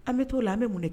An bɛ t too la an bɛ mun kɛ